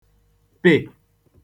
pị̀